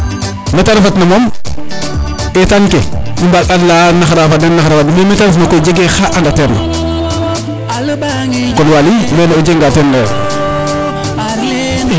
mete refat na moom etan ke i mba a leya naxra fa den naxar fa den mais mete refna koy jege xa anda teer na kon Waly mene ojega nga ten